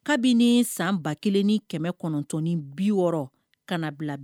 Kabini san 1960 ka na bila